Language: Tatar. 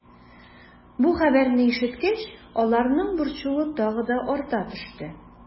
Бу хәбәрне ишеткәч, аларның борчуы тагы да арта төште.